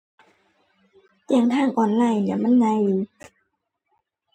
แจ้งทางออนไลน์นี้แหล้ว มันง่ายดี